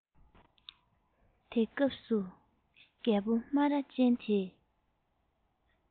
དེ སྐབས སུ རྒད པོ རྨ ར ཅན དེས